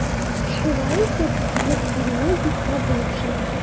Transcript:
Шулай итеп, килеп йөрүе юкка булып чыга.